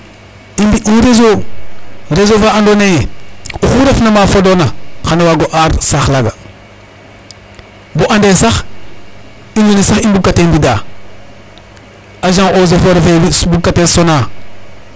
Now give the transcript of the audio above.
Donc il faut que i mbi'un réseau réseau andoona yee oxu refna ma fodoona xan o waag o aar saax laga bo ande sax in wene sax i mbugkatwe mbidaa agent eaux et foret fe bugkatee sonaa.